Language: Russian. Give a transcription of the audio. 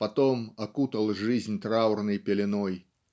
потом окутал жизнь траурной пеленой.